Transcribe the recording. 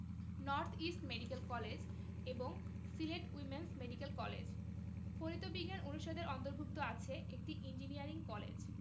north east medical college এবং Sylhet women's medical college ফলিত বিজ্ঞান অনুষদের অন্তর্ভুক্ত আছে একটি ইঞ্জিনিয়ারিং কলেজ